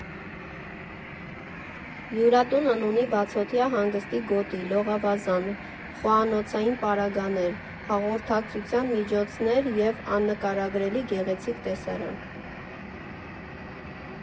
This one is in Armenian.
Հյուրատունն ունի բացօթյա հանգստի գոտի, լողավազան, խոհանոցային պարագաներ, հաղորդակցության միջոցներ և աննկարագրելի գեղեցիկ տեսարան։